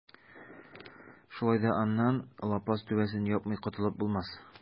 Шулай да аннан лапас түбәсен япмый котылып булмас.